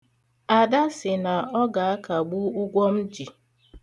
Ada sị na ọ ga-akagbu ụgwọ m ji.